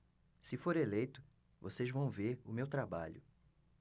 se for eleito vocês vão ver o meu trabalho